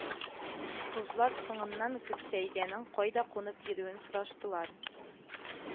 Кызлар соңыннан Гөлсәйдәнең кайда кунып йөрүен сораштылар